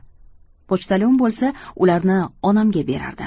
pochtalon bo'lsa ularni onamga berardi